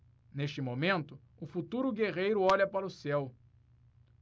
neste momento o futuro guerreiro olha para o céu